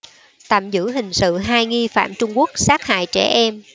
tạm giữ hình sự hai nghi phạm trung quốc sát hại trẻ em